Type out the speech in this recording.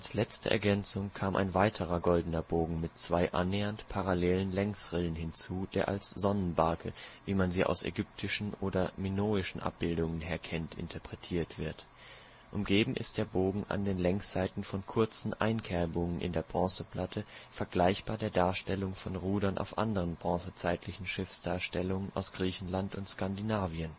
letzte Ergänzung kam ein weiterer goldener Bogen mit zwei annähernd parallelen Längsrillen hinzu, der als Sonnenbarke, wie man sie aus ägyptischen oder minoischen Abbildungen her kennt, interpretiert wird. Umgeben ist der Bogen an den Längsseiten von kurzen Einkerbungen in der Bronzeplatte, vergleichbar der Darstellung von Rudern auf anderen bronzezeitlichen Schiffsdarstellungen aus Griechenland und Skandinavien